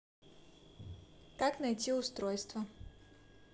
как найти устройство